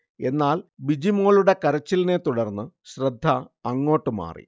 എന്നാൽ ബിജി മോളുടെ കരച്ചിലിനെ തുടർന്ന് ശ്രദ്ധ അങ്ങോട്ട് മാറി